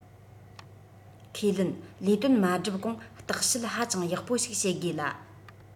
ཁས ལེན ལས དོན མ བསྒྲུབས གོང བརྟག དཔྱད ཧ ཅང ཡག པོ ཞིག བྱེད དགོས ལ